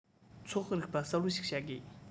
ཚོད དཔག རིག པ གསལ པོ ཞིག བྱ དགོས